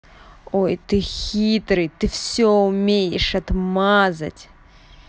ой ты хитрый все ты умеешь отмазать